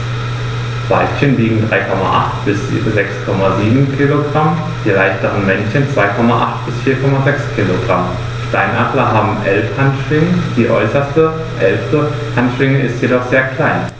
Weibchen wiegen 3,8 bis 6,7 kg, die leichteren Männchen 2,8 bis 4,6 kg. Steinadler haben 11 Handschwingen, die äußerste (11.) Handschwinge ist jedoch sehr klein.